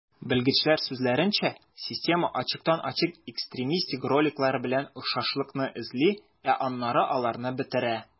Белгечләр сүзләренчә, система ачыктан-ачык экстремистик роликлар белән охшашлыкны эзли, ә аннары аларны бетерә.